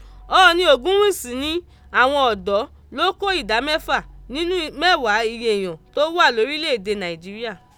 Ọọ̀ni Ògúnwùsì ní àwọn ọ̀dọ́ ló kó ìdá mẹ́fà nínú mẹ́wàá iye èèyàn tó wà lórílẹ̀ èdè Nàìjíríà.